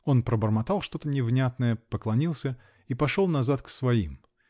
он пробормотал что-то невнятное, поклонился и пошел назад к своим.